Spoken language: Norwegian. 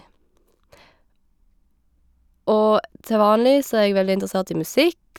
Og til vanlig så er jeg veldig interessert i musikk.